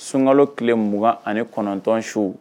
Sunkalo tileugan ani kɔnɔntɔn su